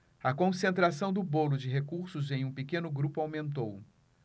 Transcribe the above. a concentração do bolo de recursos em um pequeno grupo aumentou